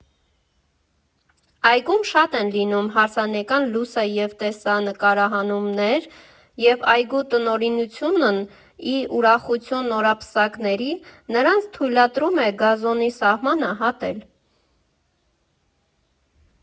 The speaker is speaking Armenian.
Այգում շատ են լինում հարսանեկան լուսա և տեսանկարահանումներ, և այգու տնօրինությունն ի ուրախություն նորապսակների՝ նրանց թույլատրում է գազոնի սահմանը հատել։